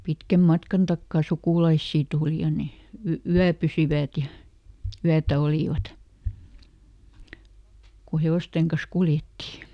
pitkän matkan takaa sukulaisia tuli ja ne - yöpyivät ja yötä olivat kun hevosten kanssa kuljettiin